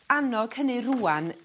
annog hynny rŵan